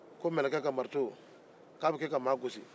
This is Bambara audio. ko mɛlɛkɛ ka marito k'a bɛ kɛ ka mɔgɔ gosi